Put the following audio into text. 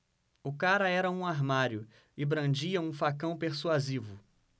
o cara era um armário e brandia um facão persuasivo